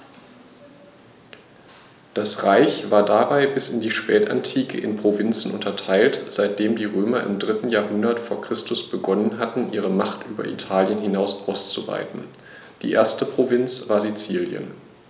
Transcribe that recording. Das Reich war dabei bis in die Spätantike in Provinzen unterteilt, seitdem die Römer im 3. Jahrhundert vor Christus begonnen hatten, ihre Macht über Italien hinaus auszuweiten (die erste Provinz war Sizilien).